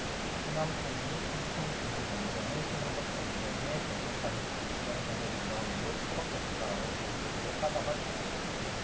호남총리 충청총리 논쟁은 소모적 정쟁의 결정판이 됐고 부정선거 논란으로 치고받게 됐다라며 두 후보들을 싸잡아 비판했다